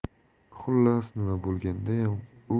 xullas nima bo'lgandayam